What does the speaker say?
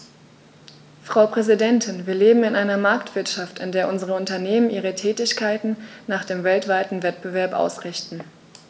Frau Präsidentin, wir leben in einer Marktwirtschaft, in der unsere Unternehmen ihre Tätigkeiten nach dem weltweiten Wettbewerb ausrichten.